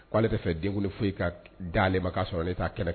K' ale tɛ fɛ den foyi ka da ma ka sɔrɔ e taa kɛlɛ kɛ